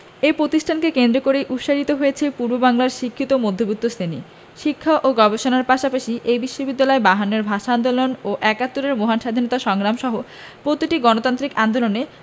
এ প্রতিষ্ঠানকে কেন্দ্র করেই উৎসারিত হয়েছে পূর্ববাংলার শিক্ষিত মধ্যবিত্ত শ্রেণি শিক্ষা ও গবেষণার পাশাপাশি এ বিশ্ববিদ্যালয় বাহান্নর ভাষা আন্দোলন ও একাত্তরের মহান স্বাধীনতা সংগ্রাম সহ প্রতিটি গণতান্ত্রিক আন্দোলনে